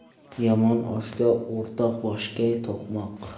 yomon oshga o'rtoq boshga to'qmoq